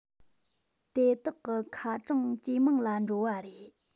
དེ དག གི ཁ གྲངས ཇེ མང ལ འགྲོ བ རེད